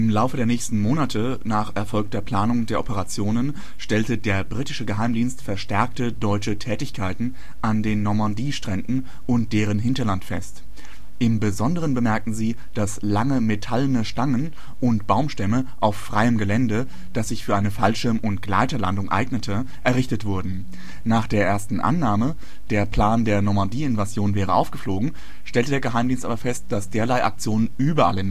Laufe der nächsten Monate nach erfolgter Planung der Operationen stellte der britische Geheimdienst verstärkte deutsche Tätigkeiten an den Normandiestränden und deren Hinterland fest. Im Besonderen bemerkten sie, dass lange metallene Stangen und Baumstämme auf freiem Gelände, das sich für eine Fallschirm - und Gleiterlandung eignete, errichtet wurden. Nach der ersten Annahme, der Plan der Normandie-Invasion wäre aufgeflogen, stellte der Geheimdienst aber fest, dass derlei Aktionen überall